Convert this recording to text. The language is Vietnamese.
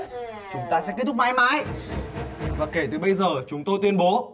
chúng ta sẽ kết thúc mãi mãi và kể từ bây giờ chúng tôi tuyên bố